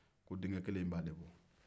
ko denkɛ kelen in b'ale bɔ